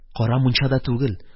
Кара мунчада түгел.